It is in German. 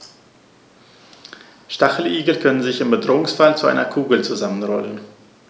Stacheligel können sich im Bedrohungsfall zu einer Kugel zusammenrollen.